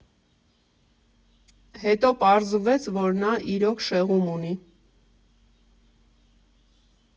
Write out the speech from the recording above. Հետո պարզվեց, որ նա իրոք շեղում ունի։